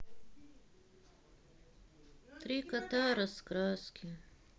три кота раскраски